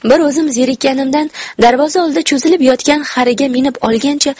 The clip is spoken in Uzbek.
bir o'zim zerikkanimdan darvoza oldida cho'zilib yotgan xariga minib olgancha